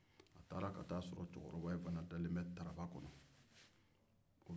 a taara a sɔrɔ cɛkɔrɔba in fana dalen bɛ taraba kɔnɔ